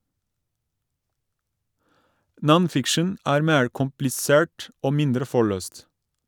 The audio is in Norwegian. "Non-Fiction" er mer komplisert og mindre forløst.